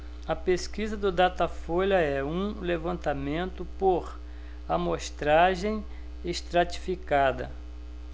a pesquisa do datafolha é um levantamento por amostragem estratificada